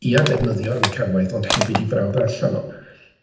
Ia, defnyddio'r mecanwaith, ond hefyd ei brawfddarllan o.